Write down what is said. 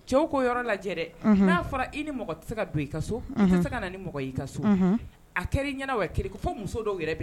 Cɛw ko yɔrɔ lajɛ dɛ, unhun, n'a fɔra, i ni mɔgɔ tɛ se ka don i ka so, unhun, i tɛ se ka na ni mɔgɔ i ka so, unhun, a kɛra ɲɛna fɔ muso dɔw yɛrɛ bɛ